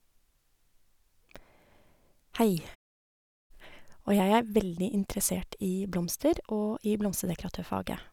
Hei, Og jeg er veldig interessert i blomster og i blomsterdekoratørfaget.